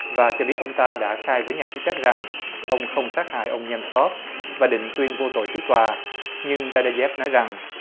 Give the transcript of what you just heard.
và cho biết ông ta đã khai với nhà chức trách rằng ông không sát hại ông nem sóp và định tuyên vô tội trước tòa nhưng đa đơ dép nói rằng